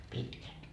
pitkän